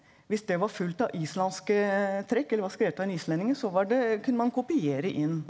hvis det var fullt av islandske trekk eller var skrevet av en islendingen så var det kunne man kopiere inn.